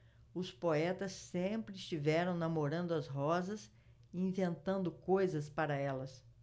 os poetas sempre estiveram namorando as rosas e inventando coisas para elas